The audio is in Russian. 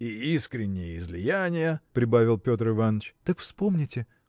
– И искренние излияния, – прибавил Петр Иваныч. –. так вспомните